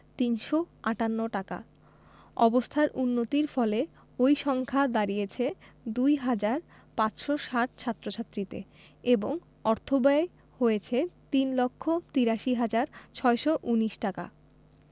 ৩৫৮ টাকা অবস্থার উন্নতির ফলে ওই সংখ্যা দাঁড়িয়েছে ২ হাজার ৫৬০ ছাত্রছাত্রীতে এবং অর্থব্যয় হয়েছে ৩ লক্ষ ৮৩ হাজার ৬১৯ টাকা